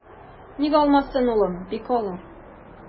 Ник алмасын, улым, бик алыр.